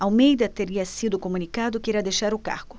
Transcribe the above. almeida teria sido comunicado que irá deixar o cargo